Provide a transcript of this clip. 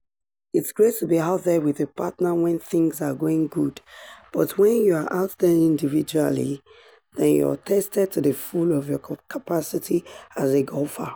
It's great to be out there with a partner when things are going good, but when you're out there individually, then you're tested to the full of your capacity as a golfer.